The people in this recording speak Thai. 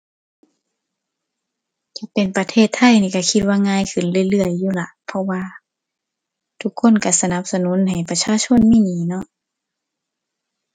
ถ้าเป็นประเทศไทยนี่ก็คิดว่าง่ายขึ้นเรื่อยเรื่อยอยู่ล่ะ เพราะว่าทุกคนก็สนับสนุนให้ประชาชนมีหนี้เนาะ